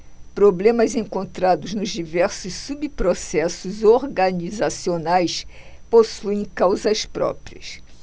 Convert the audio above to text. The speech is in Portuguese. problemas encontrados nos diversos subprocessos organizacionais possuem causas próprias